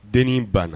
Denin banna